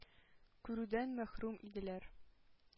Күрүдән мәхрүм иделәр.